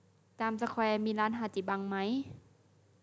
จามสแควร์มีร้านฮาจิบังไหม